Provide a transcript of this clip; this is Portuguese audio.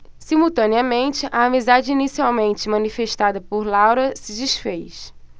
simultaneamente a amizade inicialmente manifestada por laura se disfez